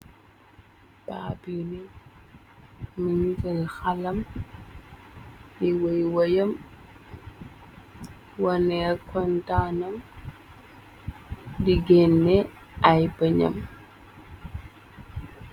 Babine mingal xalam yi woy woyam wone kontaanam di geenne ay bëñam.